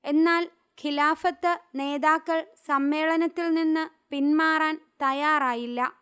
എന്നാൽ ഖിലാഫത്ത് നേതാക്കൾ സമ്മേളനത്തിൽ നിന്ന് പിന്മാറാൻ തയാറായില്ല